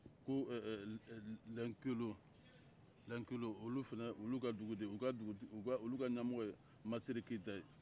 ko eee lɛnkelo lɛnkelo olu fama olu ka dugu de ye o ka dugutigi olu ka ɲɛmɔgɔ ye masire keyita ye